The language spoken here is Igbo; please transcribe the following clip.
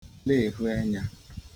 lehu enya